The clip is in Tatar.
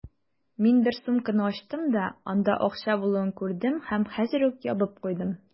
Мин бер сумканы ачтым да, анда акча булуын күрдем һәм хәзер үк ябып куйдым.